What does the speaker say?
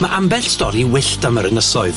Ma' ambell stori wyllt am yr ynysoedd.